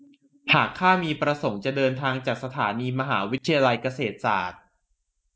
หากข้ามีประสงค์จะเดินทางจากสถานีมหาวิทยาลัยเกษตรศาสตร์